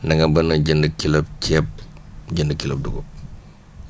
na nga mën a jënd kilo ceeb jënd kilo dugub